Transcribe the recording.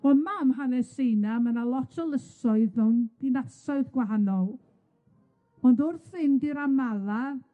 Yma ym Mhalesteina, ma' 'na lot o lysoedd mewn dinasoedd gwahanol, ond wrth fynd i'r Amala,